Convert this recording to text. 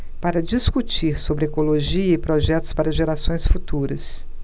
para discutir sobre ecologia e projetos para gerações futuras